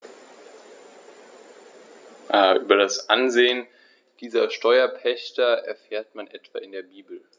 Über das Ansehen dieser Steuerpächter erfährt man etwa in der Bibel.